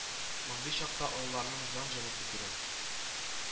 Мондый чакта олыларның җан җылысы кирәк